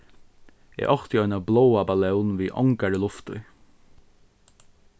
eg átti eina bláa ballón við ongari luft í